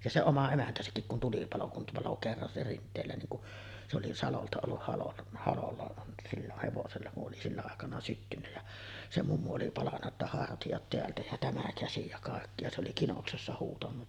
ja se oma emäntäsäkin kun tulipalo kun paloi kerran se Rinteelä niin kun se oli salolta ollut halon halolla silloin hevosella kun oli sillä aikana syttynyt ja se mummu oli palanut jotta hartiat täältä ja tämä käsi ja kaikki ja se oli kinoksessa huutanut